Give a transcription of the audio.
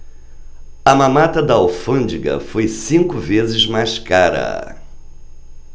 a mamata da alfândega foi cinco vezes mais cara